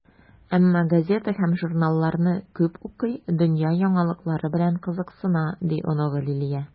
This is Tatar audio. Әмма газета һәм журналларны күп укый, дөнья яңалыклары белән кызыксына, - ди оныгы Лилия.